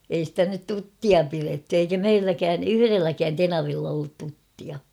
ei sitä nyt tuttia pidetty eikä meilläkään yhdelläkään tenavilla ollut tuttia